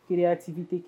Créativité